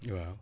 waaw